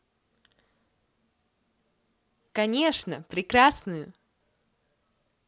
конечно прекрасную